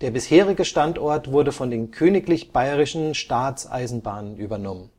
bisherige Standort wurde von den Königlich Bayerischen Staatseisenbahnen übernommen